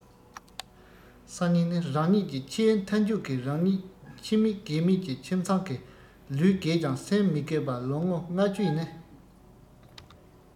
སང ཉིན ནི རང ཉིད ཀྱི ཆེས མཐའ མཇུག གི རང ཉིད འཆི མེད རྒས མེད ཀྱི ཁྱིམ ཚང གི ལུས རྒས ཀྱང སེམས མི རྒས པ ལོ ངོ ལྔ བཅུ ནི